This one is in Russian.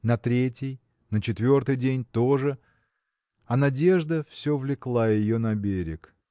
На третий, на четвертый день то же. А надежда все влекла ее на берег